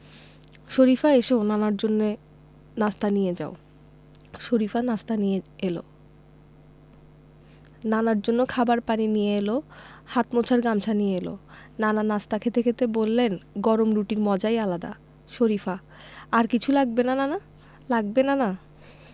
শরিফা এসো নানার জন্য নাশতা নিয়ে যাও শরিফা নাশতা নিয়ে এলো নানার জন্য খাবার পানি নিয়ে এলো হাত মোছার গামছা নিয়ে এলো নানা নাশতা খেতে খেতে বললেন গরম রুটির মজাই আলাদা শরিফা আর কিছু লাগবে নানা